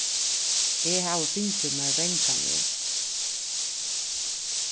eg havi fingið mær vangan nú